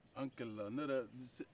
an kɛlɛ la ne yɛrɛ